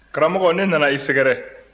karamɔgɔ ne nana i sɛgɛrɛ